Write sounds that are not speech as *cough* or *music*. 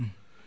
*hesitation* *hesitation*